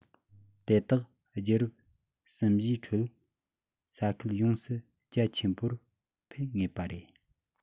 དེ དག རྒྱུད རབས གསུམ བཞིའི ཁྲོད ས ཁུལ ཡོངས སུ རྒྱ ཆེན པོར འཕེལ ངེས པ རེད